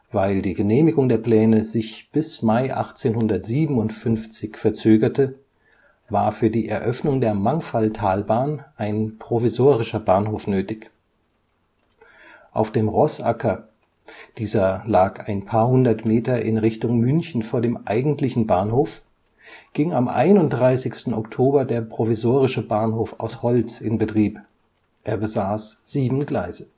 Weil die Genehmigung der Pläne sich bis Mai 1857 verzögerte, war für die Eröffnung der Mangfalltalbahn ein provisorischer Bahnhof nötig. Auf dem Roßacker, dieser lag ein paar hundert Meter in Richtung München vor dem eigentlichen Bahnhof, ging am 31. Oktober der provisorische Bahnhof aus Holz in Betrieb, er besaß sieben Gleise